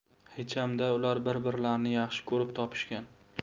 hecham da ular bir birlarini yaxshi ko'rib topishgan